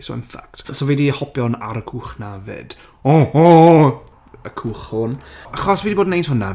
So in fact. So fi di hopian ar y cwch 'na 'fyd. Y cwch horn. Achos fi di bod yn wneud hwnna...